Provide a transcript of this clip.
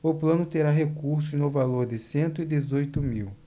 o plano terá recursos no valor de cento e dezoito mil